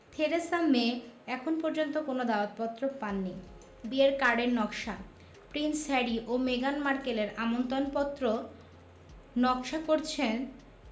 Theresa May এখন পর্যন্ত কোনো দাওয়াতপত্র পাননি বিয়ের কার্ডের নকশা প্রিন্স হ্যারি ও মেগান মার্কেলের আমন্ত্রণপত্র নকশা করছে